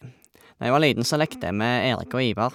Når jeg var liten, så lekte jeg med Erik og Ivar.